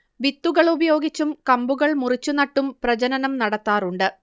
വിത്തുകളുപയോഗിച്ചും കമ്പുകൾ മുറിച്ചു നട്ടും പ്രജനനം നടത്താറുണ്ട്